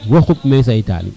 wo xup me seytane